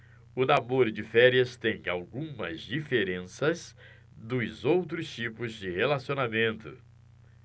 o namoro de férias tem algumas diferenças dos outros tipos de relacionamento